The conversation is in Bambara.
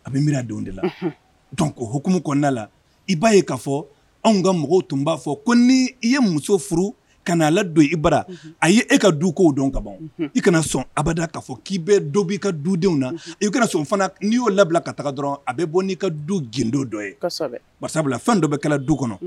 A bɛ bɛna denw de la don ko hmkumu kɔnɔnada la i b baa ye ka fɔ anw ka mɔgɔw tun b'a fɔ ko ni i ye muso furu kaa la don i bara a y'e ka du ko dɔn ka ban i kana sɔn abada ka fɔ k'i bɛ dɔ b'i ka du denw na i kana sɔn fana n'i y'o labila ka taga dɔrɔn a bɛ bɔ n'i ka du gdo dɔ ye sabula fɛn dɔ bɛ kɛlɛ du kɔnɔ